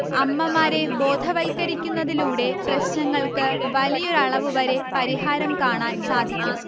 അമ്മമാരെ ബോധവൽക്കരിക്കുന്നതിലൂടെ പ്രശ്നങ്ങൾക്ക് വലിയൊരളവുവരെ പരിഹാരം കാണാൻ സാധിക്കും